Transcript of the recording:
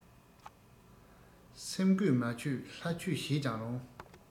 སེམས གོས མ ཆོད ལྷ ཆོས བྱས ཀྱང རུང